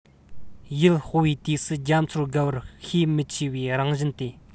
ཡུལ སྤོ བའི དུས སུ རྒྱ མཚོར བརྒལ བར ཤས མི ཆེ བའི རང བཞིན དེ